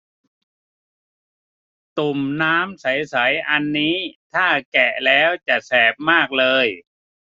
ตุ่มน้ำใสใสอันนี้ถ้าแกะแล้วจะแสบมากเลย